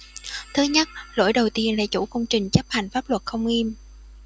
thứ nhất lỗi đầu tiên là chủ công trình chấp hành pháp luật không nghiêm